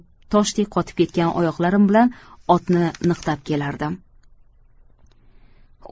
toshdek qotib ketgan oyoqlarim bilan otni niqtab kelardim